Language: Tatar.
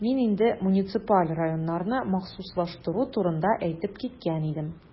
Мин инде муниципаль районнарны махсуслаштыру турында әйтеп киткән идем.